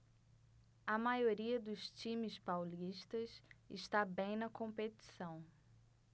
a maioria dos times paulistas está bem na competição